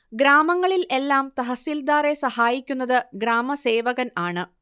ഗ്രാമങ്ങളിൽ എല്ലാം തഹസിൽദാറെ സഹായിക്കുന്നത് ഗ്രാമസേവകൻ ആണ്